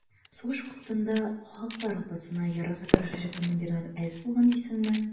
Сугыш вакытында «халыклар атасына» ярарга тырышучы командирлар әз булган дисеңме?